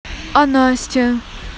а настя